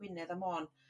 Gwynedd a Môn.